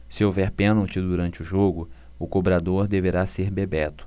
se houver pênalti durante o jogo o cobrador deverá ser bebeto